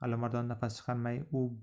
alimardon nafas chiqarmay